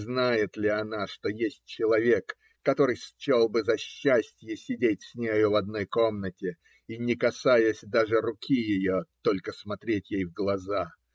Знает ли она, что есть человек, который счел бы за счастье сидеть с нею в одной комнате и, не касаясь даже руки ее, только смотреть ей в глаза?